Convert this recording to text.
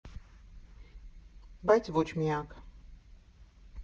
Բայց ոչ միակ։